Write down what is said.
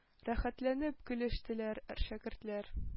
Рәхәтләнеп көлештеләр. Шәкертләр,